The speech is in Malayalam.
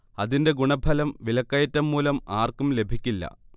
അതിന്റെ ഗുണഫലം വിലക്കയറ്റം മൂലം ആർക്കും ലഭിക്കില്ല